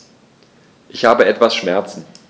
Ich habe etwas Schmerzen.